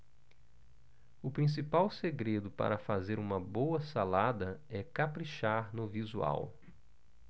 o principal segredo para fazer uma boa salada é caprichar no visual